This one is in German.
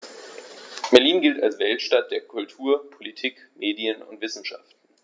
Berlin gilt als Weltstadt der Kultur, Politik, Medien und Wissenschaften.